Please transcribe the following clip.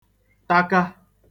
taka